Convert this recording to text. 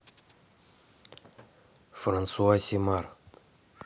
франсуа симар